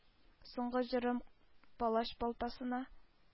Соңгы җырым палач балтасына